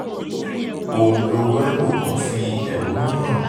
Ònlo Weibo kan fi ẹ̀hónú hàn: